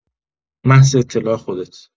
محض اطلاع خودت